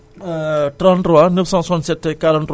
kon ci kaw la yaakaar naa ni leer na